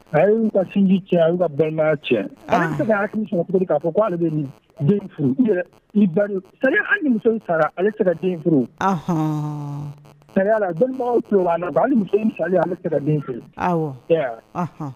A ye ka sinji cɛ a ka balima cɛ ko ale den sara ale den furu balima'a la den fɛ